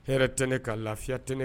Hɛrɛ tɛ ne ka lafiya tɛ ne